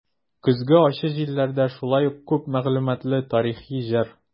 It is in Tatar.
"көзге ачы җилләрдә" шулай ук күп мәгълүматлы тарихи җыр.